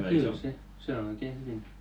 no kyllä se se on oikein hyvin